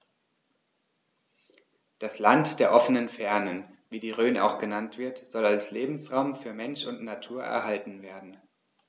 Das „Land der offenen Fernen“, wie die Rhön auch genannt wird, soll als Lebensraum für Mensch und Natur erhalten werden.